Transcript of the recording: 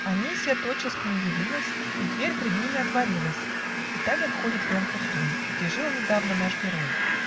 Анисья тотчас к ней явилась, И дверь пред ними отворилась, И Таня входит в дом пустой, Где жил недавно наш герой.